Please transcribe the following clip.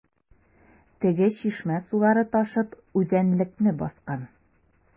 Теге чишмә сулары ташып үзәнлекне баскан.